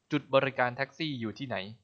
จุดบริการแท็กซี่อยู่ที่ไหน